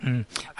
Hmm,